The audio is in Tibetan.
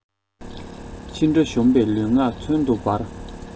ཕྱི དགྲ གཞོམ པའི ལུས ངག མཚོན དུ འབར